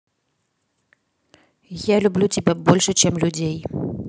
я люблю тебя больше чем людей